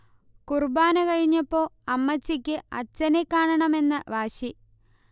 കുർബ്ബാന കഴിഞ്ഞപ്പോ അമ്മച്ചിക്ക് അച്ചനെ കാണണം എന്ന് വാശി